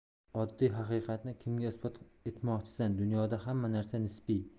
oddiy haqiqatni kimga isbot etmoqchisan dunyoda hamma narsa nisbiy